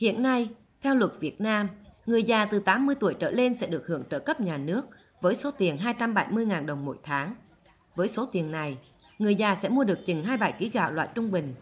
hiện nay theo luật việt nam người già từ tám mươi tuổi trở lên sẽ được hưởng trợ cấp nhà nước với số tiền hai trăm bảy mươi ngàn đồng mỗi tháng với số tiền này người già sẽ mua được chừng hai bảy ký gạo loại trung bình